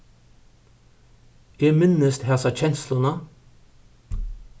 eg minnist hasa kensluna